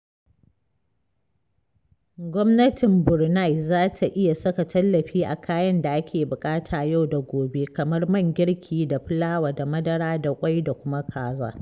Gwamnatin Brunei za ta iya saka tallafi a kayan da ake buƙata yau da gobe kamar man girki da fulawa da madara da ƙwai da kuma kaza.